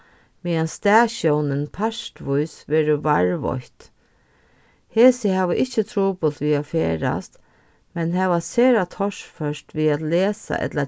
meðan staðsjónin partvís verður varðveitt hesi hava ikki trupult við at ferðast men hava sera torført við at lesa ella